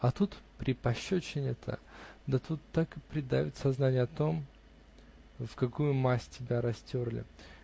А тут при пощечине-то - да тут так и придавит сознание о том, в какую мазь тебя растерли.